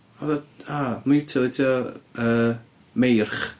Oedd o... o, miwtileitio y meirch?